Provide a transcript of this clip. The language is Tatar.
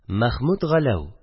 Мәхмүт Галәү